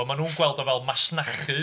Maen nhw'n gweld o fel masnachu